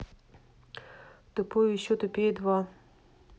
тупой и еще тупее два